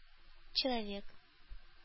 Человек